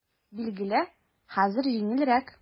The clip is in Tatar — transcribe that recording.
Билгеле, хәзер җиңелрәк.